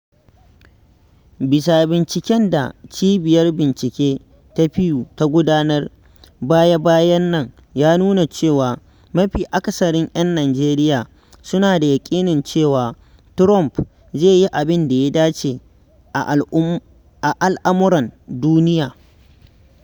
Bisa binciken da Cibiyar Bincike ta Pew ta gudanar baya-bayan nan ya nuna cewa, mafi akasarin 'yan Nijeriya 'suna da yaƙinin cewa, Trump zai yi abin da ya dace a al'amuran duniya'.